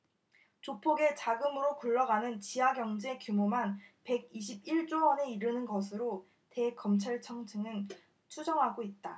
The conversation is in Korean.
조폭의 자금으로 굴러가는 지하경제 규모만 백 이십 일 조원에 이르는 것으로 대검찰청은 추정하고 있다